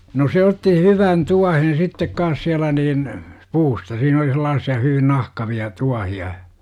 no se otti hyvän tuohen sitten kanssa siellä niin puusta siinä oli sellaisia hyvin nahkavia tuohia